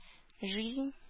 Жизнь